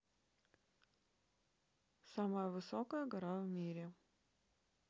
какая самая высокая гора в мире